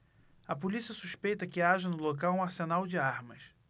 a polícia suspeita que haja no local um arsenal de armas